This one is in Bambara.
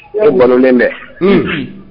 E balolen bɛ, un